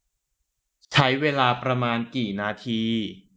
ใช้เวลาประมาณกี่นาที